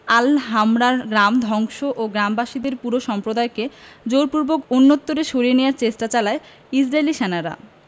আল হামরার গ্রাম ধ্বংস ও গ্রামবাসীদের পুরো সম্প্রদায়কে জোরপূর্বক অন্যত্বরে সরিয়ে নেয়ার চেষ্টা চালায় ইসরাইলি সেনারা